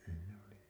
se oli